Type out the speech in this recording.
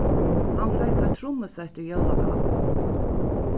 hann fekk eitt trummusett í jólagávu